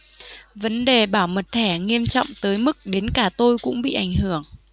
vấn đề bảo mật thẻ nghiêm trọng tới mức đến cả tôi cũng bị ảnh hưởng